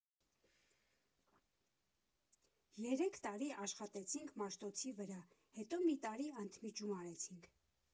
Երեք տարի աշխատեցինք Մաշտոցի վրա, հետո մի տարի ընդմիջում արեցինք։